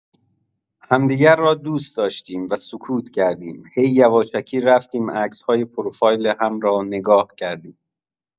همدیگر را دوست داشتیم و سکوت کردیم، هی یواشکی رفتیم عکس‌های پروفایل هم را نگاه کردیم.